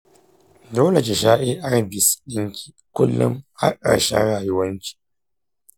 dole ki sha arvs ɗinki kullun har ƙarshen rayuwanki.